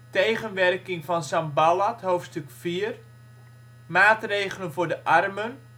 Tegenwerking van Sanballat (hoofdstuk 4) Maatregelen voor de armen